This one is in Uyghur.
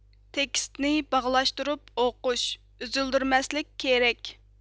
تېكىستنى باغلاشتۇرۇپ ئوقۇش ئۈزۈلدۈرمەسلىك كېرەك